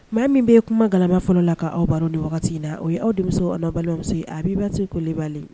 Maa min bɛ kuma galama fɔlɔ la ka aw baro ni wagati in na o ye aw denmuso balimamuso a b'iba ko bali